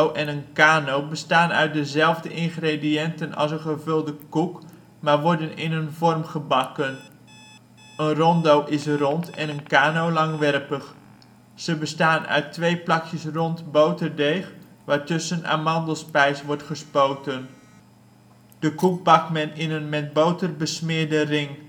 en een kano bestaan uit dezelfde ingrediënten als een gevulde koek, maar worden in een vorm gebakken. Een rondo is rond en een kano langwerpig. Ze bestaan uit twee plakjes rond boterdeeg waartussen amandelspijs wordt gespoten. De koek bakt men in een met boter besmeerde ring